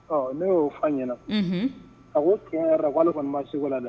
Ɔ ne y'o fɔ a ɲɛna, unhun, a ko tiɲɛyara ale kɔni b'an se ko la dɛ